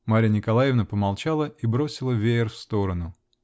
Марья Николаевна помолчала и бросила веер в сторону.